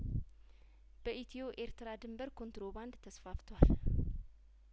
በኢትዮ ኤርትራ ድንበር ኮንትሮባንድ ተስፋፍቷል